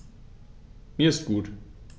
Mir ist gut.